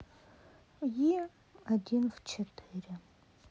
е один в четыре